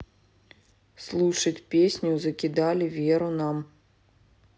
слушать песню закидали веру нам